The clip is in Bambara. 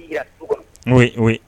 N'o ye ye